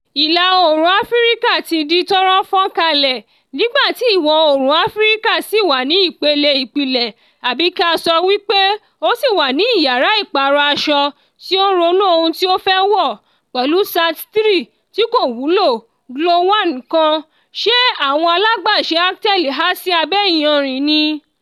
Ìlà oòrùn Áfíríkà ti di tọ́rọ́ fọ́n kálẹ̀... Nígbà tí ìwọ oòrùn Áfíríkà sì wà ní ìpele ìpìlẹ̀ (àbí ká sọ wí pé ó sì wà ní ìyára ìpàrọ̀ aṣọ tí ó ń ronú ohun tí ó fẹ́ wọ̀) pẹ̀lú SAT-3 tí kò wúlò, GLO-1 kan (ṣé àwọn alágbàṣe Alcatel há sí abẹ́ iyanrìn ni?)